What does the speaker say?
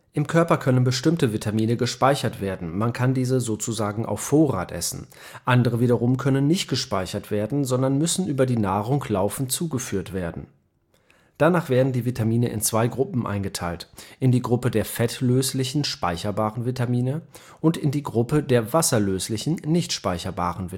Im Körper können bestimmte Vitamine gespeichert werden, man kann diese sozusagen auf Vorrat essen, andere wiederum können nicht gespeichert werden, sondern müssen über die Nahrung laufend zugeführt werden. Danach werden die Vitamine in zwei Gruppen eingeteilt: in die Gruppe der fettlöslichen, speicherbaren Vitamine und die Gruppe der wasserlöslichen, nicht speicherbaren